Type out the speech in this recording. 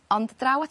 ...ond draw at...